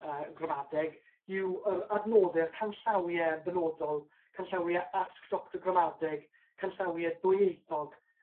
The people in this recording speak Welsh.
yy gramadeg yw yr adnodde'r canllawie yn benodol canllawie ask Doctor Gramadeg canllawie dwyieithog